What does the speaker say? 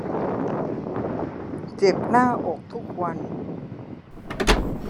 เจ็บหน้าอกทุกวัน